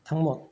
ทั้งหมด